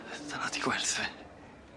Dyna 'di gwerth fi?